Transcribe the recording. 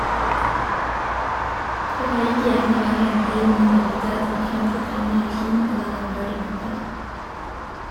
Det kan like gjerne være en gyllen mandelpotet, en knudret ringeriking eller den røde pimpernell.